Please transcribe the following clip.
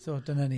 So dyna ni.